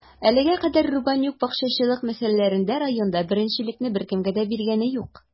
Әлегә кадәр Рубанюк бакчачылык мәсьәләләрендә районда беренчелекне беркемгә дә биргәне юк иде.